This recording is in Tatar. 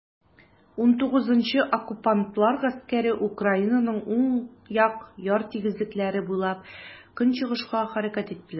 XIX Оккупантлар гаскәре Украинаның уң як яр тигезлекләре буйлап көнчыгышка хәрәкәт иттеләр.